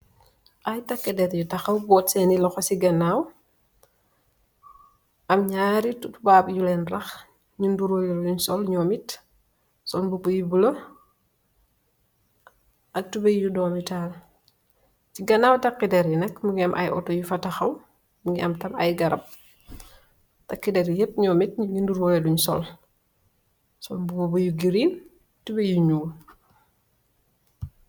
ay takkider yi taxaw boot seeni loxo ci gannaaw, am ñaari ttubaab yu leen rax ñi. nduroole luñ sol ñoo mit son mbubu yu bulo ak tube yu doomitaal , ci gannaaw takider i nak mu ngi am ay auto yu fa taxaw , ngi am tam ay garab takki der yépp ñoo mit ni nduroole luñ sol sol mbuo ba yu girin tibey yu ñuul.